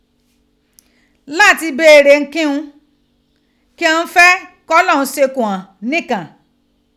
Lati beere ihunkihun kí ọ n fe ki Olohun se ko gha nikan.